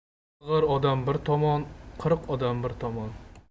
qing'ir odam bir tomon qirq odam bir tomon